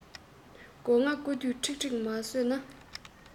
སྒོ ང རྐུ དུས ཁྲིག ཁྲིག མ ཟོས ན